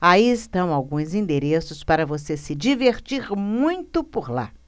aí estão alguns endereços para você se divertir muito por lá